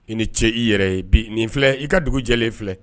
I ni ce i yɛrɛ ye bi nin filɛ i ka dugujɛlen filɛ